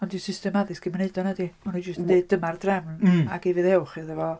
Ond dydi'r system addysg ddim yn wneud o nadi, mae jyst yn deud dyma'r drefn ac ufuddhewch iddo fo.